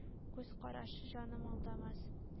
Күз карашы, җаным, алдамас.